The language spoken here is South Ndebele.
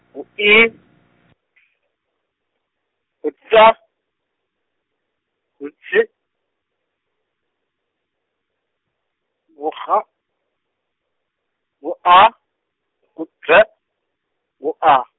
ngu I , ngu T, ngu J ngu G, ngu A, ngu Z, ngu A.